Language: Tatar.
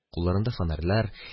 Кулларында фонарьлар.